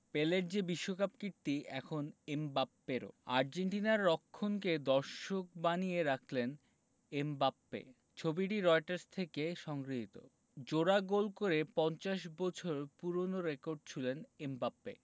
পেলের যে বিশ্বকাপ কীর্তি এখন এমবাপ্পেরও আর্জেন্টিনার রক্ষণকে দর্শক বানিয়ে রাখলেন এমবাপ্পে ছবিটি রয়টার্স থেকে সংগৃহীত জোড়া গোল করে ৫০ বছর পুরোনো রেকর্ড ছুঁলেন এমবাপ্পে